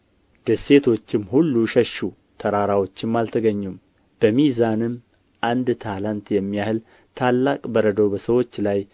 ደሴቶችም ሁሉ ሸሹ ተራራዎችም አልተገኙም በሚዛንም አንድ ታላንት የሚያህል ታላቅ በረዶ በሰዎች ላይ